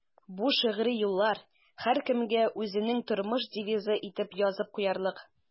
Бу шигъри юллар һәркемгә үзенең тормыш девизы итеп язып куярлык.